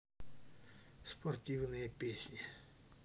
спортивные песни